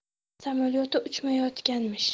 samolyoti uchmayotganmish